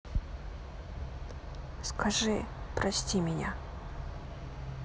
скажи прости меня